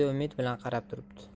umid bilan qarab turibdi